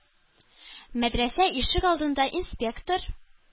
Мәдрәсә ишек алдында инспектор